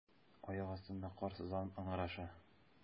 Аяк астында кар сызланып ыңгыраша.